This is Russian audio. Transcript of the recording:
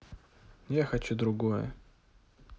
я хочу другое